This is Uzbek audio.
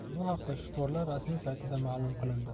bu haqda shporlar rasmiy saytida ma'lum qilindi